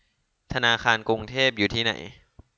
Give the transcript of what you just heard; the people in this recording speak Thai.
ธนาคารกรุงเทพอยู่ที่ไหน